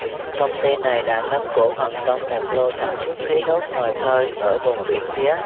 công ty này đã nắm cổ phần trong một lô sản xuất khí đốt ngoài khơi ở vùng biển phía